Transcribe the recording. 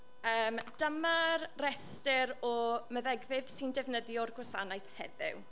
Yym dyma'r rhestr o meddygfydd sy'n defnyddio'r gwasanaeth heddiw.